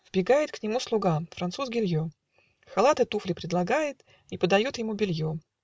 Вбегает К нему слуга француз Гильо, Халат и туфли предлагает И подает ему белье.